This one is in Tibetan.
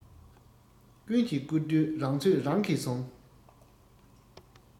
ཀུན གྱིས བཀུར དུས རང ཚོད རང གིས ཟུངས